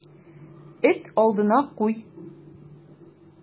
Эт алдына куй.